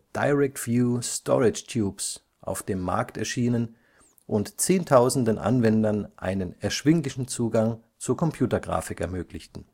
Direct-View Storage Tubes) auf dem Markt erschienen und zehntausenden Anwendern einen erschwinglichen Zugang zur Computergrafik ermöglichten